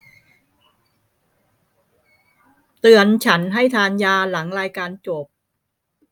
เตือนฉันให้ทานยาหลังรายการจบ